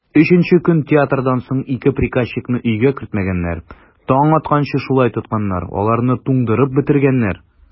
Өченче көн театрдан соң ике приказчикны өйгә кертмәгәннәр, таң атканчы шулай тотканнар, аларны туңдырып бетергәннәр.